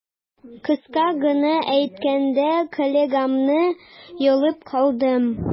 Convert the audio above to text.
Кыска гына әйткәндә, коллегамны йолып калдым.